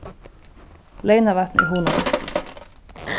leynavatn er hugnaligt